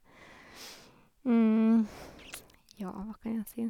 Ja, hva kan jeg si?